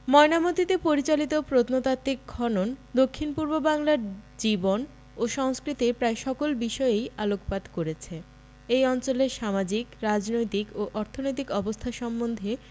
ময়নামতীতে পরিচালিত প্রত্নতাত্ত্বিক খনন দক্ষিণ পূর্ব বাংলার জীবন ও সংস্কৃতির প্রায় সকল বিষয়েই আলোকপাত করেছে এ অঞ্চলের সামাজিক রাজনৈতিক ও অর্থনৈতিক অবস্থা সম্বন্ধে